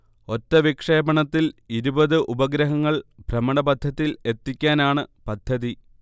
ഒറ്റ വിക്ഷേപണത്തിൽ ഇരുപത് ഉപഗ്രഹങ്ങൾ ഭ്രമണപഥത്തിൽ എത്തിക്കാനാണ് പദ്ധതി